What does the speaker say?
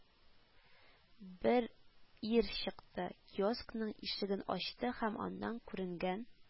Бер ир чыкты, киоскның ишеген ачты һәм аннан күренгән